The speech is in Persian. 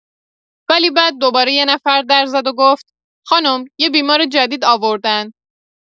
ولی بعد دوباره یه نفر در زد و گفت: خانم، یه بیمار جدید آوردن.